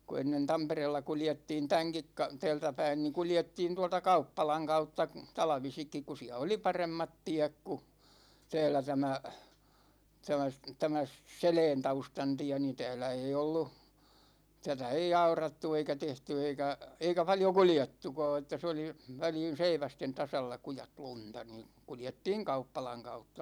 kun ennen Tampereella kuljettiin tämänkin - täältä päin niin kuljettiin tuolta kauppalan kautta talvisinkin kun siellä oli paremmat tiet kun täällä tämä tämä se tämä se Seläntaustan tie niin täällä ei ollut tätä ei aurattu eikä tehty eikä eikä paljon kuljettukaan että se oli väliin seivästen tasalla kujat lunta niin kuljettiin kauppalan kautta